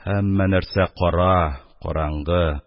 Һәммә нәрсә кара, караңгы